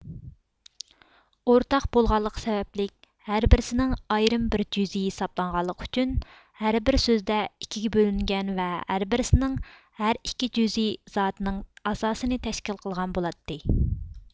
ئورتاق بولغانلىقى سەۋەبلىك ھەر بىرسىنىڭ ئايرىم بىر جۈزئىي ھېسابلانغانلىقى ئۈچۈن ھەر بىر سۆزدە ئىككىگە بۆلۈنگەن ۋە ھەر بىرسىنىڭ ھەر ئىككى جۇزئى زاتىنىڭ ئاساسىنى تەشكىل قىلغان بولاتتى